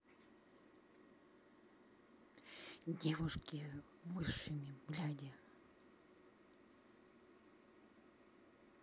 девушки высшими бляди